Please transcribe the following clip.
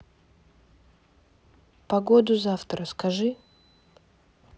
погоду завтра скажи